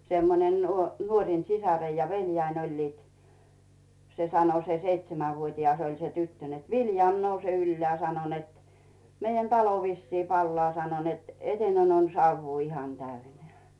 semmoinen - nuorin sisar ja veljeni olivat se sanoi se seitsemänvuotias oli se tyttö että Viljami nouse ylös sanoi että meidän talo vissiin palaa sanoi että eteinen on savua ihan täynnä